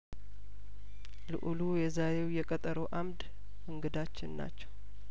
ልኡሉ የዛሬው የቀጠሮ አምድ እንግዳ ችን ናቸው